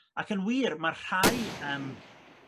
ac yn wir mae rhai yym